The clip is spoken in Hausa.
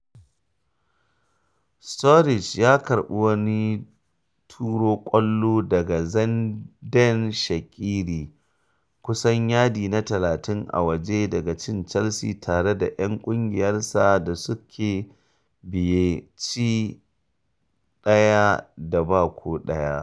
Sturridge ya karɓi wani turo ƙwallo daga Xherdan Shaqiri kusan yadina 30 a waje daga cin Chelsea tare da ‘yan ƙungiyarsa da suke biye ci 1 da 0.